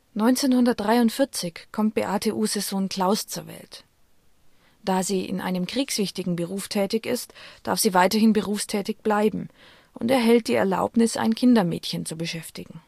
1943 kommt Beate Uhses Sohn Klaus zur Welt. Da sie in einem kriegswichtigen Beruf tätig ist, darf sie weiterhin berufstätig bleiben und erhält die Erlaubnis, ein Kindermädchen zu beschäftigen